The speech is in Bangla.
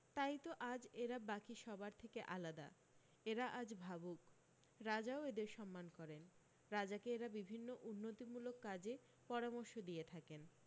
তাইতো আজ এরা বাকী সবার থেকে আলাদা এরা আজ ভাবুক রাজাও এদের সম্মান করেন রাজাকে এরা বিভিন্ন উন্নতিমূলক কাজে পরামর্শ দিয়ে থাকেন